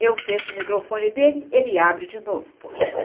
eu fecho o microfone dele ele abre de novo poxa